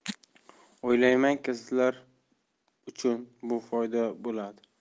o'ylaymanki sizlar uchun bu foyda bo'ladi